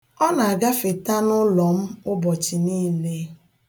Ọ na-agafeta n'ụlọ m ụbọchị niile.